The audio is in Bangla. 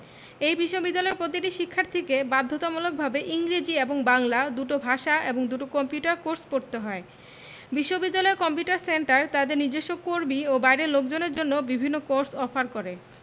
এই বিশ্ববিদ্যালয়ে প্রতিটি শিক্ষার্থীকে বাধ্যতামূলকভাবে বাংলা এবং ইংরেজি দুটো ভাষা এবং দুটো কম্পিউটার কোর্স পড়তে হয় বিশ্ববিদ্যালয়ের কম্পিউটার সেন্টার তাদের নিজস্ব কর্মী এবং বাইরের লোকজনের জন্য বিভিন্ন কোর্স অফার করে